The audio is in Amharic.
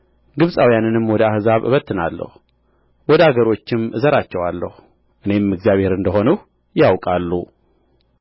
ግብጻውያንንም ወደ አሕዛብ እበትናለሁ ወደ አገሮችም እዘራቸዋለሁ እኔም እግዚአብሔር እንደ ሆንሁ ያውቃሉ